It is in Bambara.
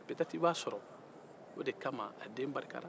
pɛtɛti e b'a sɔrɔ o de kama a den barika la